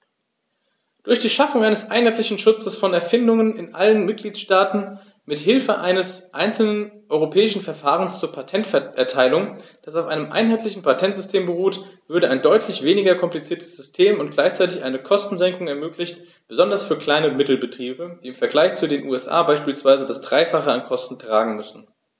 Durch die Schaffung eines einheitlichen Schutzes von Erfindungen in allen Mitgliedstaaten mit Hilfe eines einzelnen europäischen Verfahrens zur Patenterteilung, das auf einem einheitlichen Patentsystem beruht, würde ein deutlich weniger kompliziertes System und gleichzeitig eine Kostensenkung ermöglicht, besonders für Klein- und Mittelbetriebe, die im Vergleich zu den USA beispielsweise das dreifache an Kosten tragen müssen.